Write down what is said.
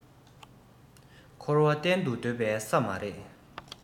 འཁོར བ གཏན དུ སྡོད པའི ས མ རེད